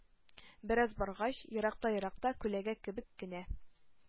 Бераз баргач, еракта-еракта күләгә кебек кенә